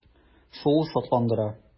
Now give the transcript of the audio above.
Шул шатландыра.